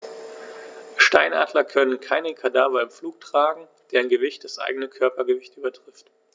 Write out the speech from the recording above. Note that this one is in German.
Steinadler können keine Kadaver im Flug tragen, deren Gewicht das eigene Körpergewicht übertrifft.